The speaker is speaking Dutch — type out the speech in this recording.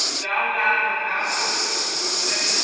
vrouw raadt hem aan God te vervloeken en te